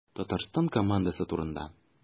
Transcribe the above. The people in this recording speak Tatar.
Татарстан командасы турында.